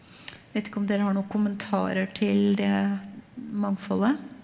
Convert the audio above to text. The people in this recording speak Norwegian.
vet ikke om dere har noen kommentarer til det mangfoldet.